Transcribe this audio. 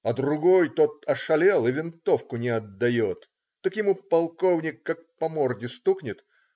А другой, тот ошалел и винтовку не отдает, так ему полковник как по морде стукнет.